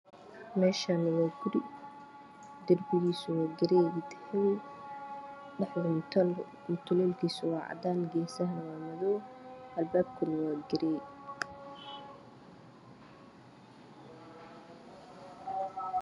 Meeshwn waa guri darbigiisu uu girey iyo dahabi dhexda mutuleelkisa wacadaan geesaha waa madoow albaankana waa girey